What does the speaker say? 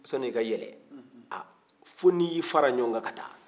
sani i ka yɛlɛ aa fo n'i y'i fara jɔgɔn ka ka taa